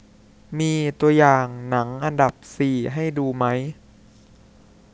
มีตัวอย่างหนังอันดับสี่ให้ดูไหม